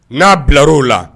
N'a bilar la